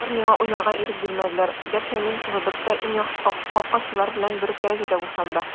Алар миңа уйнарга ирек бирмәделәр, гәрчә мин Квебекта иң яхшы капкачылар белән бер үк дәрәҗәдә булсам да.